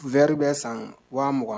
V bɛ san waugan